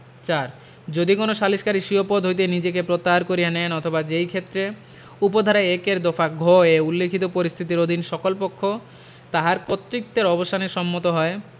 ৪ যদি কোন সালিসকারী স্বীয় পদ হইতে নিজেকে প্রত্যাহার করিয়া নেন অথবা যেইক্ষেত্রে উপ ধারা ১ এর দফা ঘ এ উল্লেখিত পরিস্থিতির অধীন সকল পক্ষ তাহার কর্তৃত্বের অবসানে সম্মত হয়